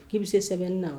K'i bɛ se sɛbɛnni na